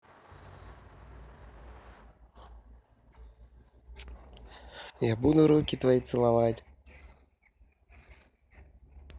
я буду руки твои целовать